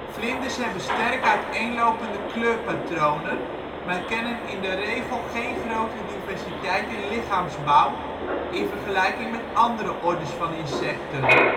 Vlinders hebben sterk uiteenlopende kleurpatronen maar kennen in de regel geen grote diversiteit in lichaamsbouw in vergelijking met andere ordes van insecten